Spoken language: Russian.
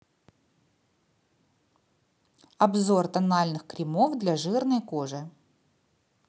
обзор тональных кремов для жирной кожи